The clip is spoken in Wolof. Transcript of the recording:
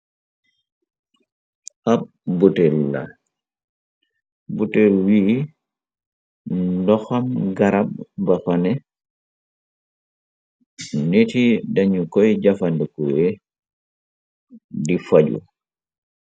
Ab butel la butel wi ndoxam garab baxane niti dañu koy jafandekuwe di faju.